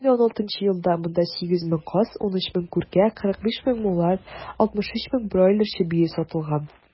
2016 елда монда 8 мең каз, 13 мең күркә, 45 мең мулард, 63 мең бройлер чебие сатылган.